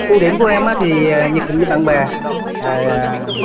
ưu điểm của em á thì nhiệt tình với bạn bè rồi